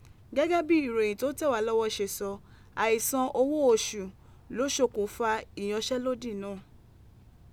Gẹ́gẹ́ bí ìròyìn tí ó ń tẹ̀wálọ́wọ́ ṣe sọ, àìsan owó oṣù ló ṣokùnfà iyanṣẹ́lódì náà.